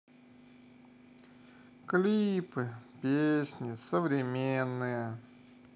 клипы песни современные